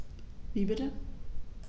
Wie bitte?